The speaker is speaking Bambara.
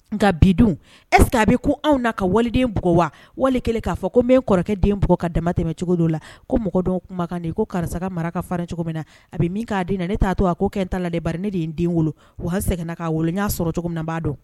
Nka bidon es a bɛ ko anw'a ka walidenug wa wali kɛlen k'a fɔ ko min kɔrɔkɛ den bug ka dama tɛmɛmɛ cogo don la ko mɔgɔ kumakan ko karisa mara ka fara cogo min na a bɛ min k'a di na ne t'a to a ko kɛ ta la ne de ye n den wolo u ha seginna k'a n y'a sɔrɔ cogo min na b'a dɔn